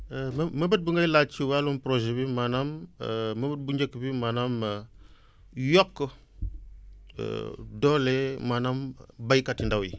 mëbët bi ngay laaj ci wàllum projet bi maanaam mëbët bu njëkk bi maanaam yokk doole maanaam béykat yu ndaw yi